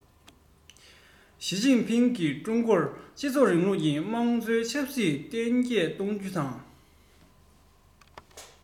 ཞིས ཅིན ཕིང གིས ཀྲུང གོར སྤྱི ཚོགས རིང ལུགས ཀྱི དམངས གཙོ ཆབ སྲིད འཕེལ རྒྱས གཏོང རྒྱུ དང